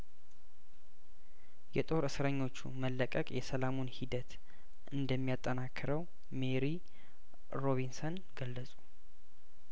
የጦር እስረኞቹ መለቀቅ የሰላሙን ሂደቱ እንደሚያጠናክረው ሜሪ ሮቢንሰን ገለጹ